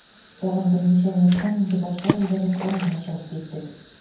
Тагын берничә минуттан инде башлар әйләнеп, урамга чыгып киттек.